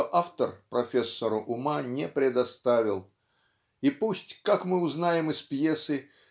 что автор профессору ума не предоставил. И пусть как мы узнаем из пьесы